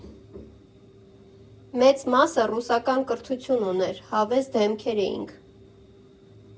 Մեծ մասը ռուսական կրթություն ուներ, հավես դեմքեր էինք։